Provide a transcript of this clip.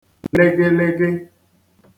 lịgịlịgị